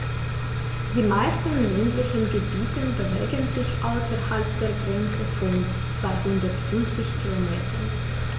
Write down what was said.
Die meisten ländlichen Gebiete bewegen sich außerhalb der Grenze von 250 Kilometern.